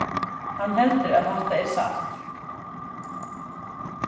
hann heldur at hatta er satt